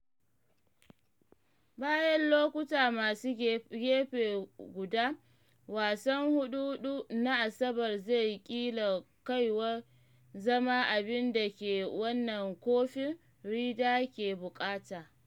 Bayan lokuta masu gefe guda, wasan huɗu-huɗu na Asabar zai kila kawai zama abin da ke wannan Kofin Ryder ke buƙata.